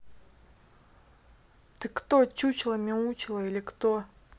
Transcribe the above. ты кто чучело мяучело или кто